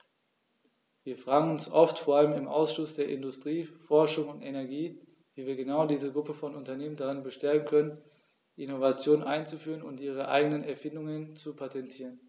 Wir fragen uns oft, vor allem im Ausschuss für Industrie, Forschung und Energie, wie wir genau diese Gruppe von Unternehmen darin bestärken können, Innovationen einzuführen und ihre eigenen Erfindungen zu patentieren.